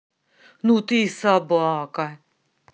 ну ты и собака